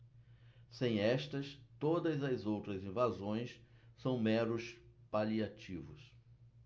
sem estas todas as outras invasões são meros paliativos